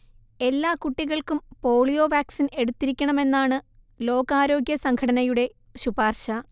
എല്ലാ കുട്ടികൾക്കും polio vaccine എടുത്തിരിക്കണമെന്നാണ് ലോകാരോഗ്യസംഘടനയുടെ ശുപാർശ